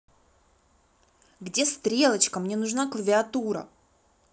где стрелочка мне нужна клавиатура